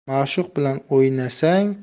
ma'shuq bilan o'ynasang